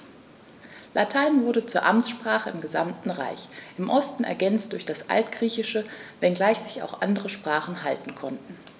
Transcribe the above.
Latein wurde zur Amtssprache im gesamten Reich (im Osten ergänzt durch das Altgriechische), wenngleich sich auch andere Sprachen halten konnten.